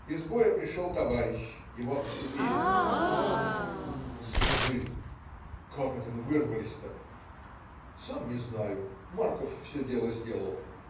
Из боя пришел товарищ, его обступили: "расскажи, как это мы вырвались-то?" - "Сам не знаю. Марков все дело сделал.